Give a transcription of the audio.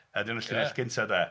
A dyna'r llinell gynta 'de.